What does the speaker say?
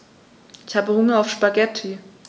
Ich habe Hunger auf Spaghetti.